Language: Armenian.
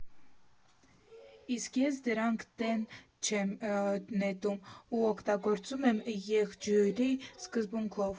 Իսկ ես դրանք դեն չեմ նետում ու օգտագործում եմ եղջյուրի սկզբունքով.